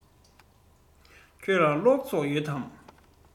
ཁྱོད ལ གློག བསོགས ཡོད དམ